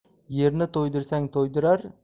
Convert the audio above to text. yerni to'ydirsang to'ydirar